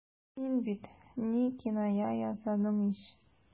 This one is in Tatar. Син бит... ни... киная ясадың ич.